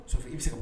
So ii